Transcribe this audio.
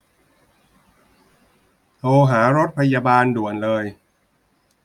โทรหารถพยาบาลด่วนเลย